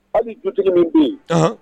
Hali dutigi min bɛ yen, anhan